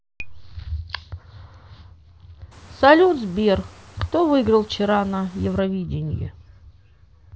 салют сбер кто выиграл вчера на евровидение